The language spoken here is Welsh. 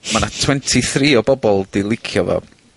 ma 'na twenty three o bobol 'di licio fo.